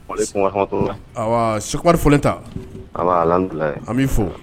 walekum arahama tulahi an ba Seku Umaru Folenta, an ba Alhamdulilayi an b'i fo.